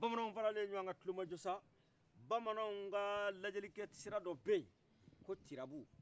bamananw farale ɲɔgɔnka kulomajosa bamanw ka lajɛlikɛ sira dɔ beyi ko tirabu